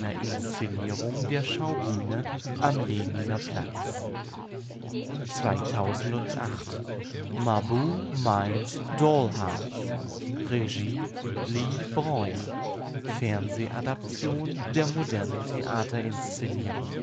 Inszenierung der Schaubühne am Lehniner Platz 2008 – Mabou Mines Dollhouse – Regie: Lee Breuer – Fernsehadaption der modernen Theaterinszenierung